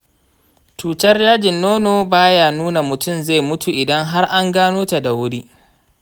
cutar dajin nono baya nuna mutum zi mutu idan har an gano ta da wuri.